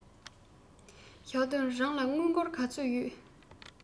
ཞའོ ཏིང རང ལ དངུལ སྒོར ག ཚོད ཡོད